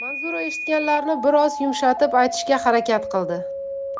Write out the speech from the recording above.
manzura eshitganlarini bir oz yumshatib aytishga harakat qildi